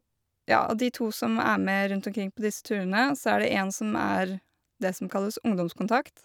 Ja, av de to som er med rundt omkring på disse turene, så er det en som er det som kalles ungdomskontakt.